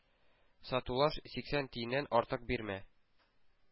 Сатулаш, сиксән тиеннән артык бирмә.